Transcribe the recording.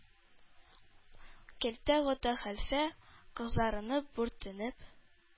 Кәлтә Гата хәлфә, кызарынып-бүртенеп: